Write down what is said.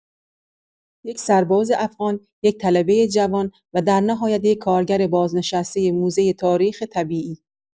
یک سرباز افغان، یک طلبۀ جوان، و در نهایت یک کارگر بازنشستۀ موزۀ تاریخ طبیعی.